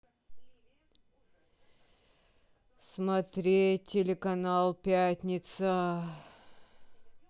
смотреть телеканал пятница